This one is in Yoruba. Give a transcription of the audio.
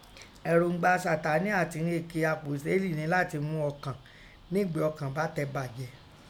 Erongba Satani ati ìghọn eke apositeli nẹ lati mu ọkàn, nîgbì ọkàn bá tẹ bàjẹ́,